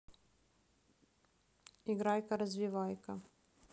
играйка развивайка